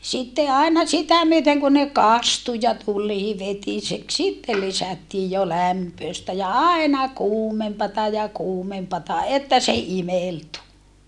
sitten aina sitä myöten kuin ne kastui ja tulee vetiseksi sitten lisättiin jo lämpöistä ja aina kuumempaa ja kuumempaa että se imeltyi